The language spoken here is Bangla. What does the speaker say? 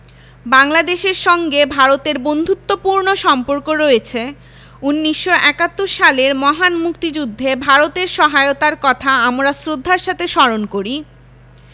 বাংলাদেশের সঙ্গে ভারতের বন্ধুত্তপূর্ণ সম্পর্ক রয়ছে ১৯৭১ সালের মহান মুক্তিযুদ্ধে ভারতের সহায়তার কথা আমরা শ্রদ্ধার সাথে স্মরণ করি